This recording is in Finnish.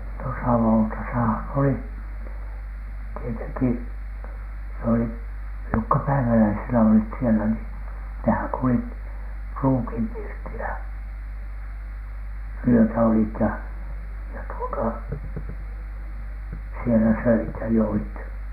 no savotassahan oli tietenkin se oli jotka päiväläisenä olivat siellä niin nehän kulkivat pruukinpirtillä yötä olivat ja ja tuota siellä söivät ja joivat